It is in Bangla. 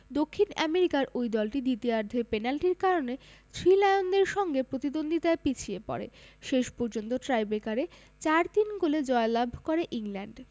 দক্ষিণ আমেরিকার ওই দলটি দ্বিতীয়ার্ধের পেনাল্টির কারণে থ্রি লায়নদের সঙ্গে প্রতিদ্বন্দ্বিতায় পিছিয়ে পড়ে শেষ পর্যন্ত টাইট্রেকারে ৪ ৩ গোলে জয়লাভ করে ইংল্যান্ড